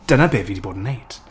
Dyna be fi 'di bod yn wneud.